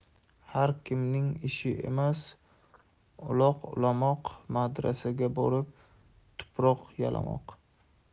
har kimning ishi emas uloq ulamoq madrasaga borib tuproq yalamoq